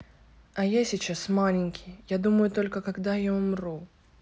а я сейчас маленький я думаю только когда я умру